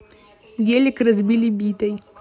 гелик разбили битой